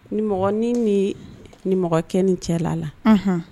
Ni ni ni nikɛ ni cɛ la la